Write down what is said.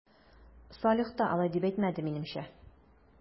Салих та алай дип әйтмәде, минемчә...